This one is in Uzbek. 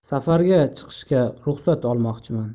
safarga chiqishga ruhsat olmoqchiman